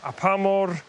a pa mor